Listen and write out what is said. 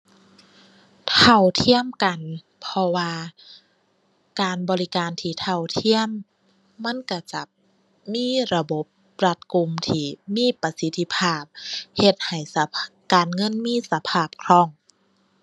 เท่าเทียมกัน เพราะว่าการบริการที่เท่าเทียมมันก็จะมีระบบรัดกุมที่มีประสิทธิภาพ เฮ็ดให้ การเงินมีสภาพคล่อง